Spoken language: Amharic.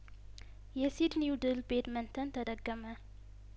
የሲዲኒው ድል በኤድመንተን ተደገመ